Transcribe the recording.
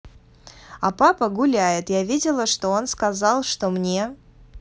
а папа гуляет я видела что он сказал что мне